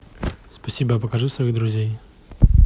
спасибо а покажи своих друзей